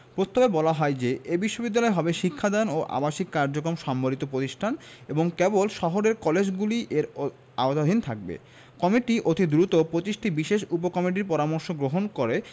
প্রস্তাবে বলা হয় যে এ বিশ্ববিদ্যালয় হবে শিক্ষাদান ও আবাসিক কার্যক্রম সম্বলিত প্রতিষ্ঠান এবং কেবল শহরের কলেজগুলি এর আওতাধীন থাকবে কমিটি অতি দ্রুত ২৫টি বিশেষ উপকমিটির পরামর্শ গ্রহণ করে